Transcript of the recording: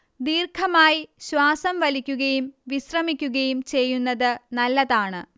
ദീർഘമായി ശ്വാസം വലിക്കുകയും വിശ്രമിക്കുകയും ചെയ്യുന്നത് നല്ലതാണ്